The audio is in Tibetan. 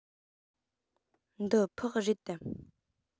འདི ཕག རེད དམ